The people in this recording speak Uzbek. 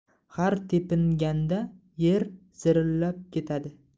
har tepinganda yer zirillab ketadi